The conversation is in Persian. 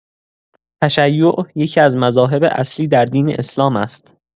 تشیع یکی‌از مذاهب اصلی در دین اسلام است.